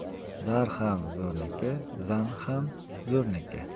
zar ham zo'rniki zan ham zo'rniki